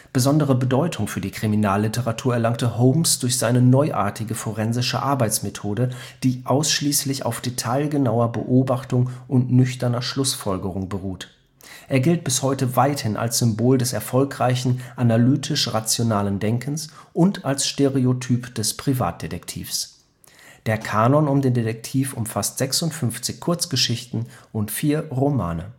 Besondere Bedeutung für die Kriminalliteratur erlangte Holmes durch seine neuartige forensische Arbeitsmethode, die ausschließlich auf detailgenauer Beobachtung und nüchterner Schlussfolgerung beruht. Er gilt bis heute weithin als Symbol des erfolgreichen analytisch-rationalen Denkens und als Stereotyp des Privatdetektivs. Der Kanon um den Detektiv umfasst 56 Kurzgeschichten und vier Romane